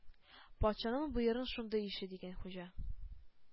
— патшаның боерыгы шундый иде,— дигән хуҗа.